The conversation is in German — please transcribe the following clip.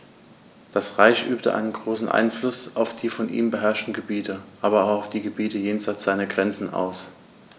Das Reich übte einen großen Einfluss auf die von ihm beherrschten Gebiete, aber auch auf die Gebiete jenseits seiner Grenzen aus.